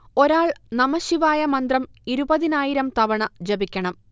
ഒരാൾ നമഃശിവായ മന്ത്രം ഇരുപതിനായിരം തവണ ജപിക്കണം